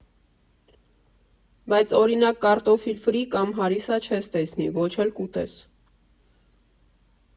Բայց, օրինակ, կարտոֆիլ֊ֆրի կամ հարիսա չես տեսնի (ոչ էլ կուտես)։